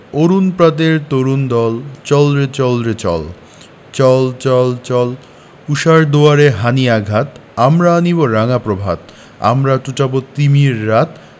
অরুণ প্রাতের তরুণ দল চল রে চল রে চল চল চল চল ঊষার দুয়ারে হানি' আঘাত আমরা আনিব রাঙা প্রভাত আমরা টুটাব তিমির রাত